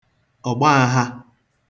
ọ̀gbaāhā